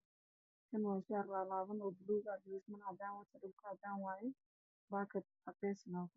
Kani waa shaar laalaaban buluug ah, kuluustu waa cadaan, dhulka waa cadaan, waxaa kudhagan shaati baakad cadeys ah.